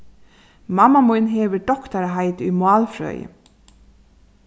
mamma mín hevur doktaraheiti í málfrøði